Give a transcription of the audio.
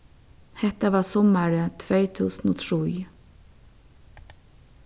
hetta var summarið tvey túsund og trý